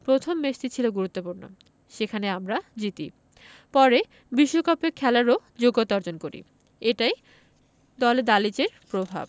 প্রথম ম্যাচটি ছিল গুরুত্বপূর্ণ সেখানে আমরা জিতি পরে বিশ্বকাপে খেলারও যোগ্যতা অর্জন করি এটাই দলে দালিচের প্রভাব